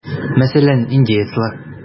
Мәсәлән, индеецлар.